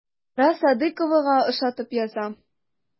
Сара Садыйковага ошатып язам.